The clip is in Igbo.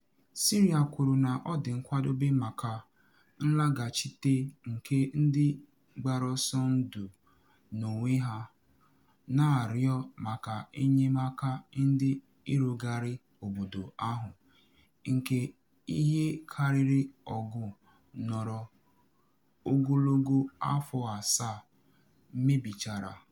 Syria kwuru na ọ dị nkwadobe maka nlaghachite nke ndị gbara ọsọ ndụ n’onwe ha, na arịọ maka enyemaka na ịrụgharị obodo ahụ nke ihe karịrị ọgụ nọrọ ogologo afọ asaa mebichara.